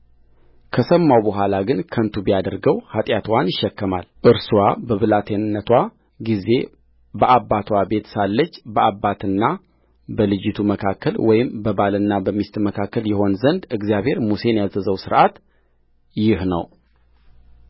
ከሰማው በኋላ ግን ከንቱ ቢያደርገው ኃጢአትዋን ይሸከማልእርስዋ በብላቴንነትዋ ጊዜ በአባትዋ ቤት ሳለች በአባትና በልጂቱ መካከል ወይም በባልና በሚስት መካከል ይሆን ዘንድ እግዚአብሔር ሙሴን ያዘዘው ሥርዓት ይህ ነው